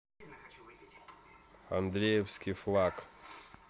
андреевский флаг